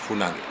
funnangue